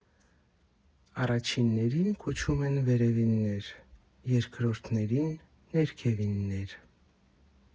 Առաջիններին կոչում են վերևիններ, երկրորդներին՝ ներքևիններ։